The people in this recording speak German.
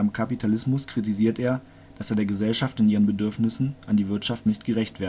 Kapitalismus kritisiert er, dass er der Gesellschaft in ihren Bedürfnissen an die Wirtschaft nicht gerecht